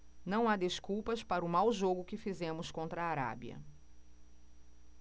não há desculpas para o mau jogo que fizemos contra a arábia